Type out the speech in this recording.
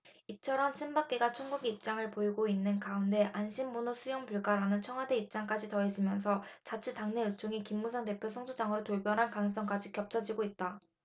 이처럼 친박계가 총궐기 입장을 보이고 있는 가운데 안심번호 수용불가라는 청와대 입장까지 더해지면서 자칫 당내 의총이 김무성 대표 성토장으로 돌변할 가능성까지 점쳐지고 있다